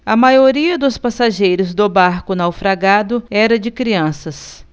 a maioria dos passageiros do barco naufragado era de crianças